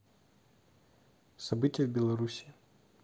события в белоруссии